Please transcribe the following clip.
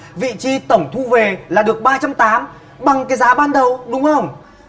vị chi tổng thu về là được ba trăm tám bằng cái giá ban đầu đúng hông